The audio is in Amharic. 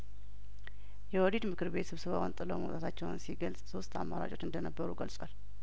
የኦህዲ ድምክር ቤት ስብሰባውን ጥለው መውጣታቸውን ሲገልጽ ሶስት አማራጮች እንደነበሩ ገልጿል